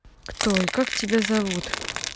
кто и как тебя зовут